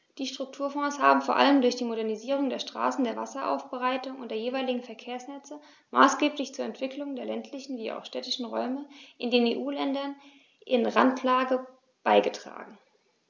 Die Strukturfonds haben vor allem durch die Modernisierung der Straßen, der Wasseraufbereitung und der jeweiligen Verkehrsnetze maßgeblich zur Entwicklung der ländlichen wie auch städtischen Räume in den EU-Ländern in Randlage beigetragen.